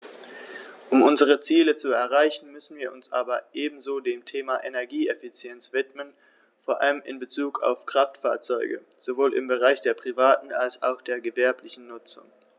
Um unsere Ziele zu erreichen, müssen wir uns aber ebenso dem Thema Energieeffizienz widmen, vor allem in Bezug auf Kraftfahrzeuge - sowohl im Bereich der privaten als auch der gewerblichen Nutzung.